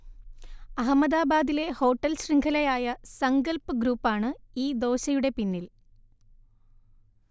അഹമ്മദാബാദിലെ ഹോട്ടൽ ശൃംഘലയായ സങ്കൽപ് ഗ്രൂപ്പാണ് ഈ ദോശയുടെ പിന്നിൽ